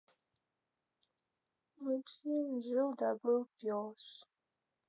мультфильм жил да был пес